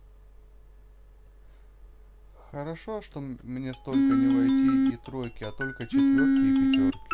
хорошо что мне сколько не войти и не тройки а только четверки и пятерки